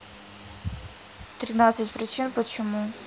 тринадцать причин почему